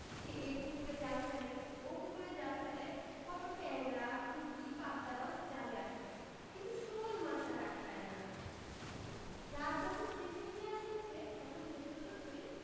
সে এ পুকুরে জাল ফেলে ও পুকুরে জাল ফেলে কত টেংরা পুঁটি পাবদা মাছ জালে আটকায় কিন্তু শোলমাছ আর আটকায় না রাত যখন শেষ হইয়া আসিয়াছে তখন সত্য সত্যই